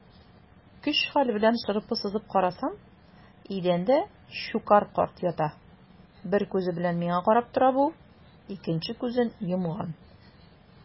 Көч-хәл белән шырпы сызып карасам - идәндә Щукарь карт ята, бер күзе белән миңа карап тора бу, икенче күзен йомган.